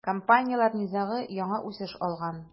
Компанияләр низагы яңа үсеш алган.